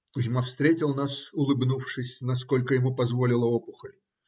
Кузьма встретил нас, улыбнувшись, насколько ему позволила опухоль.